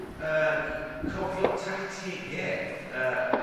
yy i cofio tactege yy